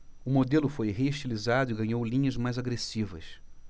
o modelo foi reestilizado e ganhou linhas mais agressivas